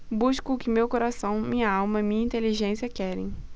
busco o que meu coração minha alma e minha inteligência querem